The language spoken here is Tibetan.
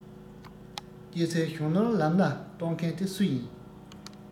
སྐྱེ སེར གཞོན ནུར ལམ སྣ སྟོན མཁན དེ སུ ཡིན